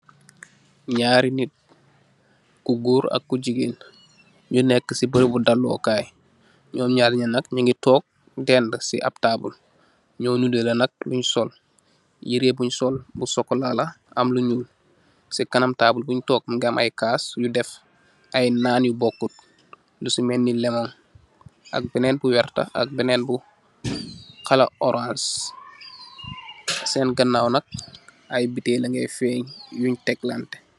ynarri nit ku gorr ak ku gigeen nyonek ci barabu dallo kayy. Nyom nyarr nyi nak nyingi tok dedsi ap tabule, nyo nidoleh nk luny sol yireh bu NY sol bu chocola la am lu nyul. Ci kanam tabule buny tok mungi ameh ayy kas yu deff ayy nan yu bokut. Lusi melni lemon ak benen bu werta, ak benen bu xala orange. Sen ganaw nk ayy butel langi feny yu teklanteh